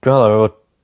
me'wl fod